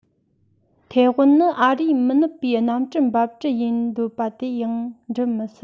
ཐའེ ཝན ནི ཨ རིའི མི ནུབ པའི གནམ གྲུ འབབ གྲུ ཡིན འདོད པ དེ ཡང འགྱུར མི སྲིད